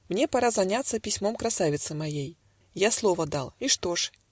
Мне пора заняться Письмом красавицы моей; Я слово дал, и что ж?